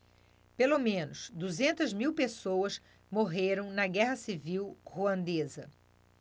pelo menos duzentas mil pessoas morreram na guerra civil ruandesa